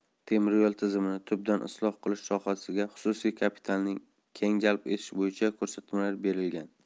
temiryo'l tizimini tubdan isloh qilish sohaga xususiy kapitalni keng jalb etish bo'yicha ko'rsatmalar berilgan